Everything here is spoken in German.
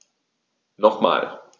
Nochmal.